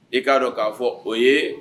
E k'a dɔn k'a fɔ o ye